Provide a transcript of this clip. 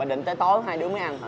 bà định tới tối hai đứa mới ăn hả